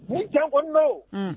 Ni tiyɛn koni do